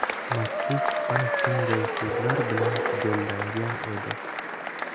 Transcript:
maktub ana shunday so'zlar bilan tugallangan edi